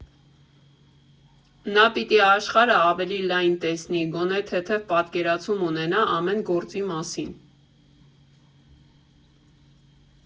Նա պիտի աշխարհը ավելի լայն տեսնի, գոնե թեթև պատկերացում ունենա ամեն գործի մասին։